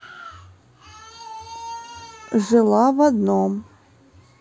жила в одном